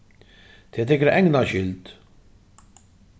tað er tykra egna skyld